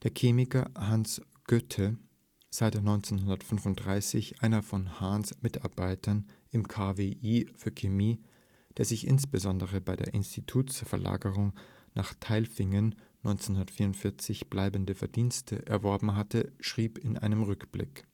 Chemiker Hans Götte, seit 1935 einer von Hahns Mitarbeitern im KWI für Chemie, der sich insbesondere bei der Institutsverlagerung nach Tailfingen 1944 bleibende Verdienste erworben hatte, schrieb in einem Rückblick